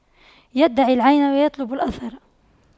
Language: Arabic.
يدع العين ويطلب الأثر